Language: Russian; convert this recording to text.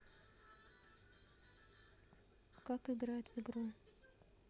как играют в игру